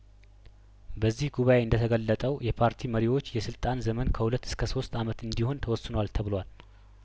በዚህ ጉባኤ እንደተገለጠው የፓርቲ መሪዎች የስልጣን ዘመን ከሁለት እስከሶስት አመት እንዲሆን ተወስኗል ተብሏል